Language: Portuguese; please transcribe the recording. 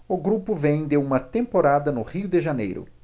o grupo vem de uma temporada no rio de janeiro